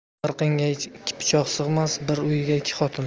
bir qinga ikki pichoq sig'mas bir uyga ikki xotin